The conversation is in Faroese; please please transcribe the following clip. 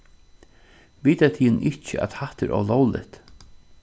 vita tygum ikki at hatta er ólógligt